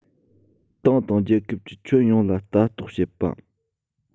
ཏང དང རྒྱལ ཁབ ཀྱི ཁྱོན ཡོངས ལ ལྟ རྟོག བྱེད པ